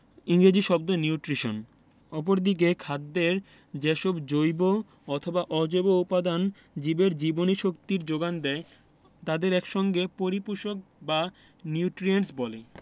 ইংরেজি শব্দ নিউট্রিশন অপরদিকে খাদ্যের যেসব জৈব অথবা অজৈব উপাদান জীবের জীবনীশক্তির যোগান দেয় তাদের এক সঙ্গে পরিপোষক বা নিউট্রিয়েন্টস বলে